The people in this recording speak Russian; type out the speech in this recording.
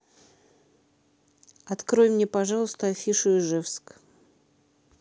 открой мне пожалуйста афишу ижевск